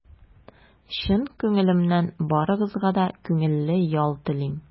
Чын күңелемнән барыгызга да күңелле ял телим!